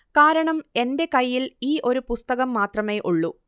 കാരണം എന്റെ കയ്യിൽ ഈ ഒരു പുസ്തകം മാത്രമേ ഉള്ളൂ